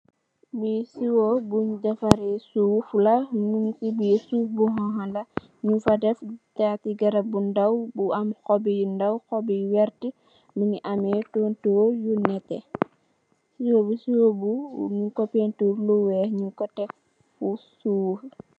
Lii siwoh bungh defarreh suff la, mung cii birr, suff bu honha la njung fa deff taati garab bu ndaw bu am hohbb yu ndaw, hohbb yu wehrtt, mungy ameh tohntorre yu nehteh, siwoh bii siwoh bu njung kor peintur lu wekh, njung kor deff cii suff.